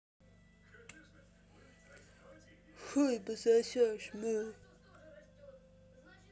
хуй пососешь мой